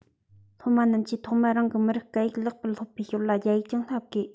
སློབ མ རྣམས ཀྱིས ཐོག མར རང མི རིགས སྐད ཡིག ལེགས པར སློབ པའི ཞོར ལ རྒྱ ཡིག ཀྱང བསླབ དགོས